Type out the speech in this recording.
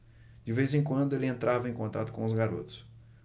de vez em quando ele entrava em contato com os garotos